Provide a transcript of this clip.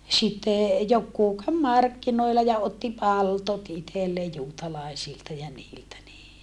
sitten joku kävi markkinoilla ja otti palttoot itselleen juutalaisilta ja niiltä niin